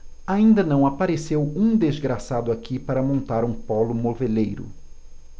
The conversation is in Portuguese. ainda não apareceu um desgraçado aqui para montar um pólo moveleiro